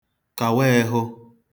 kàwa ehụ